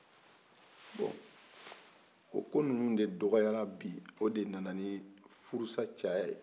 bon o ko ninnu de dɔgɔyara bi o de nana ni furusa caman